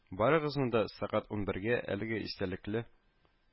Барыгызны да сәгать унбергә әлеге истәлекле